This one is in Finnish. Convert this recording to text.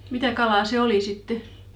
mitä kalaa se oli sitten